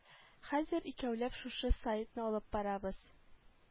Хәзер икәүләп шушы сайтны алып барабыз